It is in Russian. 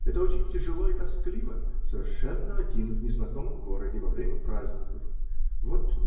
это очень тяжело и тоскливо -- совершенно один в незнакомом городе, во время праздников. Вот.